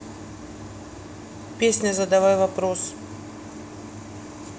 песня задавай вопрос